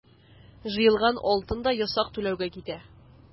Җыелган алтын да ясак түләүгә китә.